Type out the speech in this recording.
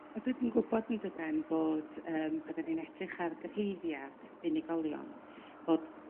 Wel 'dyn ni'n gw'bod yndyden bod yrm pan 'dyn ni'n edrych ar gyrhaeddiad unigolion bod